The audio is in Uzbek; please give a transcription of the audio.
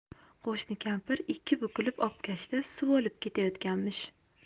qo'shni kampir ikki bukilib obkashda suv olib ketayotganmish